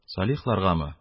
Салихларгамы?